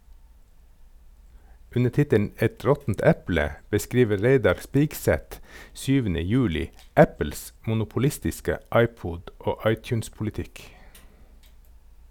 Under tittelen "Et råttent eple" beskriver Reidar Spigseth 7. juli Apples monopolistiske iPod- og iTunes-politikk.